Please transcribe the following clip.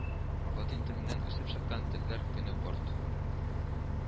Латин теленнән үсеп чыккан телләр көне порт